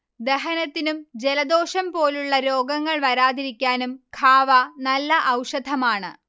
ദഹനത്തിനും ജലദോഷം പോലുള്ള രോഗങ്ങൾ വരാതിരിക്കാനും ഖാവ നല്ല ഔഷധമാണ്